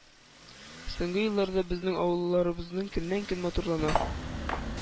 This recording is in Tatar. Соңгы елларда безнең авылларыбыз көннән-көн матурлана,